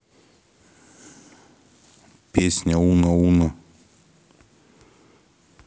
песня уно уно